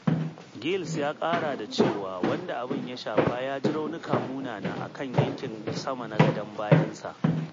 Giles ya ƙara da cewa wanda abin ya shafa ya ji raunuka munana a kan yankin sama na gadon bayansa.